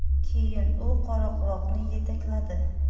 keyin u qoraquloqni yetakladi